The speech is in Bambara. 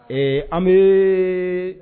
Ee an bɛ